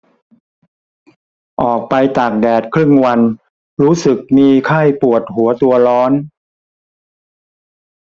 ออกไปตากแดดครึ่งวันรู้สึกมีไข้ปวดหัวตัวร้อน